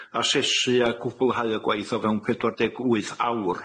asesu a cwblhau y gwaith o fewn pedwar deg wyth awr.